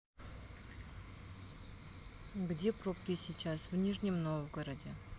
где пробки сейчас в нижнем новгороде